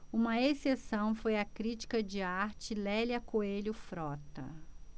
uma exceção foi a crítica de arte lélia coelho frota